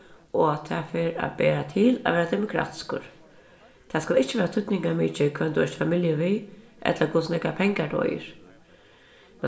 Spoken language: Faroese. og at tað fer at bera til at vera demokratiskur tað skal ikki vera týdningarmikið hvønn tú ert í familju við ella hvussu nógvar pengar tú eigur